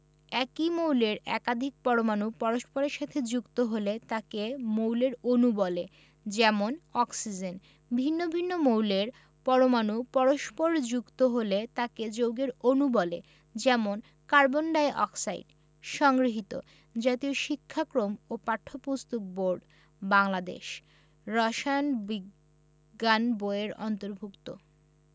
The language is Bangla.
একই মৌলের একাধিক পরমাণু পরস্পরের সাথে যুক্ত হলে তাকে মৌলের অণু বলে যেমন অক্সিজেন ভিন্ন ভিন্ন মৌলের পরমাণু পরস্পর যুক্ত হলে তাকে যৌগের অণু বলে যেমন কার্বন ডাই অক্সাইড সংগৃহীত জাতীয় শিক্ষাক্রম ও পাঠ্যপুস্তক বোর্ড বাংলাদেশ রসায়ন বিজ্ঞান বই এর অন্তর্ভুক্ত